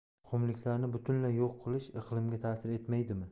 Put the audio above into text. qumliklarni butunlay yo'q qilish iqlimga tasir etmaydimi